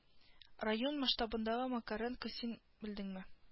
Район масштабындагы макаренко син белдеңме